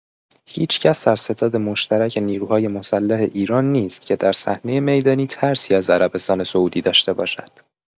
هیچ‌کس در ستاد مشترک نیروهای مسلح ایران نیست که در صحنه می‌دانی ترسی از عربستان سعودی داشته باشد.